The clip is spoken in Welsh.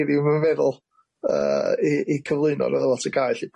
ni ddim yn meddwl yy 'i 'i cyflwyno ar lefel tygau 'lly